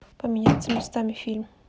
поменяться местами фильм